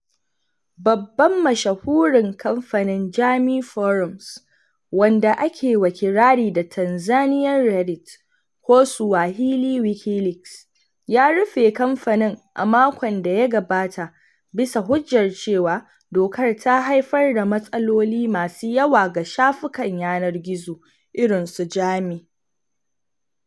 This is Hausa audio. Babban Mashahurin kamfanin Jamii Forums — wanda akewa kirari da "Tanzanian Reddit" ko "Swahili Wikileaks" — ya rufe kamfanin a makon da ya gabata, bisa hujjar cewa dokar ta haifar da matsaloli masu yawa ga shafukan yanar gizo irin su Jamii.